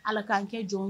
Ala k'an kɛ jɔn ye